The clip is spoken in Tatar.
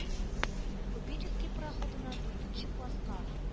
“купеческий“ пароходына, дүртенче класска